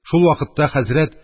Шул вакытта хәзрәт